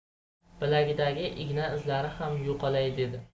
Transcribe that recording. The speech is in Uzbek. bilagidagi igna izlari ham yo'qolay dedi